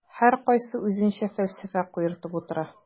Һәркайсы үзенчә фәлсәфә куертып утыра.